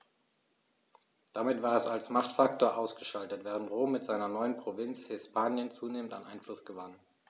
Damit war es als Machtfaktor ausgeschaltet, während Rom mit seiner neuen Provinz Hispanien zunehmend an Einfluss gewann.